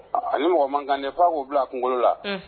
Ani mɔgɔ gan fa b'o bila a kungo la